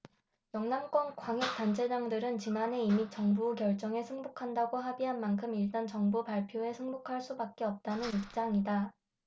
영남권 광역단체장들은 지난해 이미 정부의 결정에 승복한다고 합의한 만큼 일단 정부 발표에 승복할 수밖에 없다는 입장이다